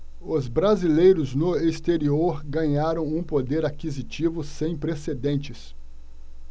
os brasileiros no exterior ganharam um poder aquisitivo sem precedentes